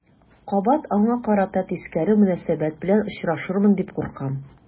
Кабат аңа карата тискәре мөнәсәбәт белән очрашырмын дип куркам.